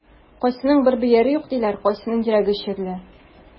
Кайсының бер бөере юк диләр, кайсының йөрәге чирле.